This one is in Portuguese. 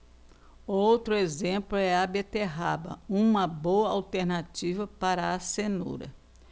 outro exemplo é a beterraba uma boa alternativa para a cenoura